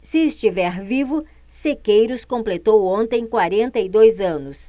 se estiver vivo sequeiros completou ontem quarenta e dois anos